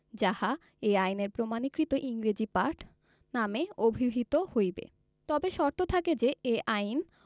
যাহা এই আইনের প্রমাণীকৃত ইংরেজী পাঠ নামে অভিহিত হইবে তবে শর্ত থাকে যে এই আইন